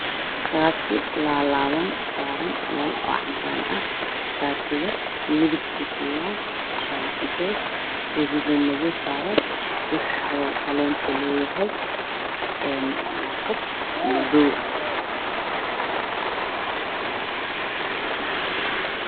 Waa shaati laalaaban